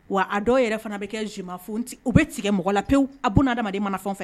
Wa a dɔw yɛrɛ fana bɛ kɛ je man fous ye . U bɛ tigɛ mɔgɔla pewu a bunahadamaden mana fɛn